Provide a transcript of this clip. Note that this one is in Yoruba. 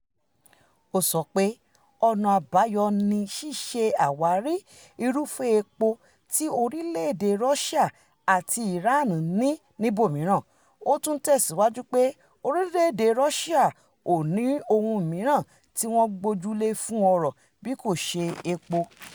“Ó sọ pe ọ̀nà àbáyọ ni ṣíṣe àwárí irúfẹ́ epo tí orílẹ̀ èdè Russia àti Iran ní níbòmíràn. Ó tún tẹ̀síwájú pé orílẹ̀èdè Russia ò ní ohun mìíràn tí wọ́n gbójúlé fún ọrọ̀ bí kò ṣe epo.